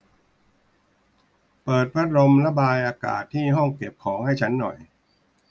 เปิดพัดลมระบายอากาศที่ห้องเก็บของให้ฉันหน่อย